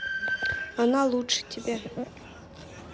она лучше тебя